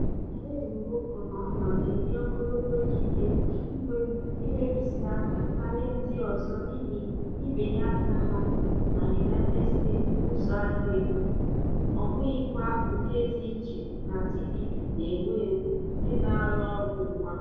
Bahrain, Morocco na Oman na-enye ogologo ikike nnwebisiinka karịa ndị ọzọ n'ihi mbinyeaka ha na United States n'ịzụ ahịa efu, ọ bụghịkwa nke dị iche na TPP na-ewu ewu nke na-arụ ọrụ ugbua.